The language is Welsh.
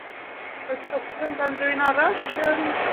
O's cwestiwn gan rhywun arall yym